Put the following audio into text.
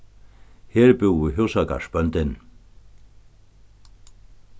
her búði húsagarðsbóndin